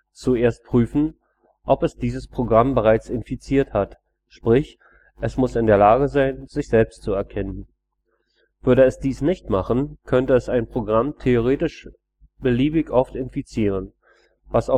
zuerst prüfen, ob es dieses Programm bereits infiziert hat – sprich, es muss in der Lage sein, sich selbst zu erkennen. Würde es dies nicht machen, könnte es ein Programm theoretisch beliebig oft infizieren, was